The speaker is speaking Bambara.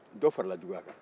dɔ farala juguya kan